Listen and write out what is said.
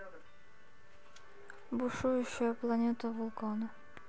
бушующая планета вулканы